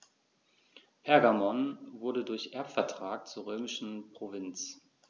Pergamon wurde durch Erbvertrag zur römischen Provinz.